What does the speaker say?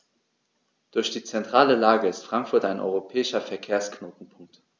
Durch die zentrale Lage ist Frankfurt ein europäischer Verkehrsknotenpunkt.